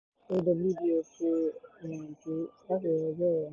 AWDF náà ṣe ìwọ̀nba ìyànjú láti lè yanjú ọ̀rọ̀ náà.